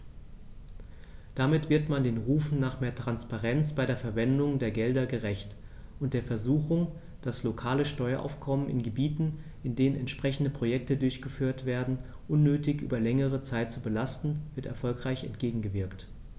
Damit wird man den Rufen nach mehr Transparenz bei der Verwendung der Gelder gerecht, und der Versuchung, das lokale Steueraufkommen in Gebieten, in denen entsprechende Projekte durchgeführt werden, unnötig über längere Zeit zu belasten, wird erfolgreich entgegengewirkt.